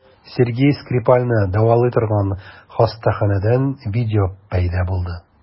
Сергей Скрипальне дәвалый торган хастаханәдән видео пәйда булды.